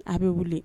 A bɛ wuli